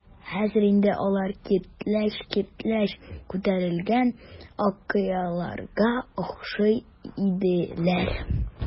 Хәзер инде алар киртләч-киртләч күтәрелгән ак кыяларга охшый иделәр.